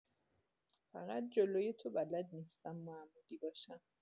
فقط جلوی تو بلد نیستم معمولی باشم.